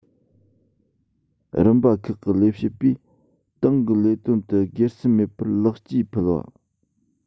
རིམ པ ཁག གི ལས བྱེད པས ཏང གི ལས དོན དུ སྒེར སེམས མེད པར ལེགས སྐྱེས ཕུལ པ